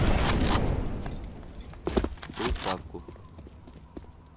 приставку